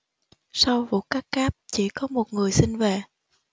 sau vụ cắt cáp chỉ có một người xin về